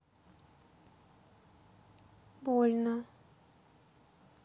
больно